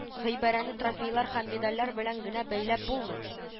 Гыйбарәне трофейлар һәм медальләр белән генә бәяләп булмый